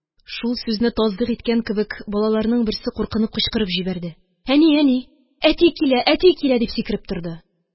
Шул сүзне тасдыйк иткән кебек, балаларның берсе куркынып кычкырып җибәрде: – Әни, әни! Әти килә, әти килә! – дип сикереп торды.